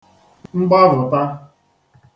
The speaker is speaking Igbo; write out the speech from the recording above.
mgbavụ̀ta